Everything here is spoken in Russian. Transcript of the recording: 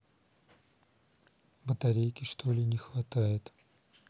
батарейки что ли не хватает